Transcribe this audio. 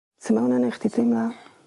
Su' ma' hwnna neu' chdi deimlo?